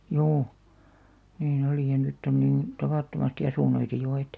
juu niin oli ja nyt on niin tavattomasti asuntoja jo että